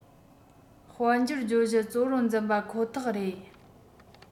དཔལ འབྱོར བརྗོད གཞི གཙོ བོར འཛིན པ ཁོ ཐག རེད